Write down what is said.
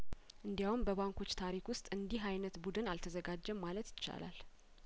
እንዲያውም በባንኮች ታሪክ ውስጥ እንዲህ አይነት ቡድን አልተዘጋጀም ማለት ይቻላል